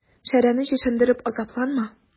Шәрәне чишендереп азапланма.